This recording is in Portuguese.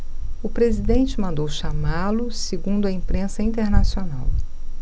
o presidente mandou chamá-lo segundo a imprensa internacional